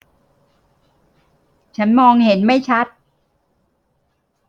ฉันมองเห็นไม่ชัด